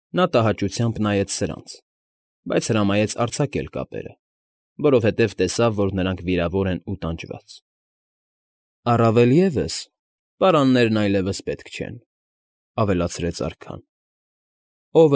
Նա տհաճությամբ նայեց սրանց, բայց հրամայեց արձակել կապերը, որովհետև տեսավ, որ նրանք վիրավոր են ու տանջված։ ֊ Առավել ևս, պարաննեն այլևս պետք չեն,֊ ավելացրեց արքան։֊ Ով։